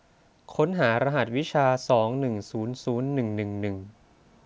ค้นหารหัสวิชาสองหนึ่งศูนย์ศูนย์หนึ่งหนึ่งหนึ่ง